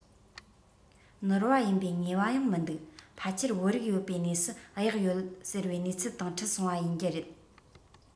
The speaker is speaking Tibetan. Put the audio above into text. ནོར བ ཡིན པའི ངེས པ ཡང མི འདུག ཕལ ཆེར བོད རིགས ཡོད པའི གནས སུ གཡག ཡོད ཟེར བའི བཤད ཚུལ དང འཁྲུག སོང བ ཡིན རྒྱུ རེད